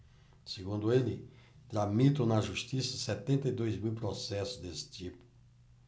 segundo ele tramitam na justiça setenta e dois mil processos desse tipo